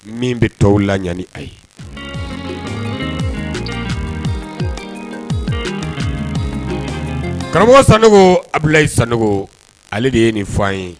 Min bɛ tɔw la ɲaani a ye karamɔgɔ san abu i san ale de ye nin fɔ an ye